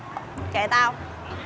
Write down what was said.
kệ tao